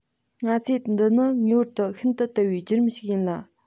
ང ཚོས འདི ནི ངེས པར དུ ཤིན ཏུ དལ བའི བརྒྱུད རིམ ཞིག ཡིན ལ